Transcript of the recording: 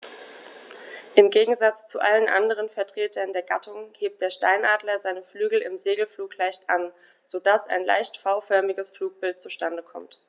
Im Gegensatz zu allen anderen Vertretern der Gattung hebt der Steinadler seine Flügel im Segelflug leicht an, so dass ein leicht V-förmiges Flugbild zustande kommt.